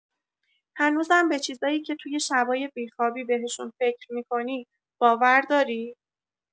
هنوزم به چیزایی که توی شبای بی‌خوابی بهشون فکر می‌کنی، باور داری؟